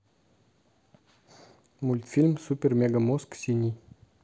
мультфильм супер мега мозг синий